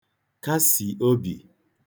kasì obì